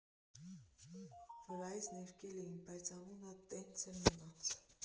Վրայից ներկել էին, բայց անունը տենց էլ մնաց։